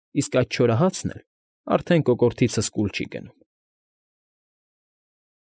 Իսկ այդ չորահացն էլ արդեն կոկորդիցս կուլ չի գնում»։